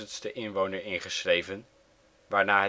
80.000-ste inwoner ingeschreven, waarna